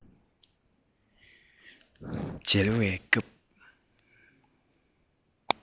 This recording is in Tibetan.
འཇལ བའི སྐབས